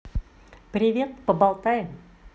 привет поболтаем